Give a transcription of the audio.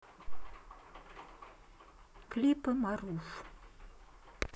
клипы марув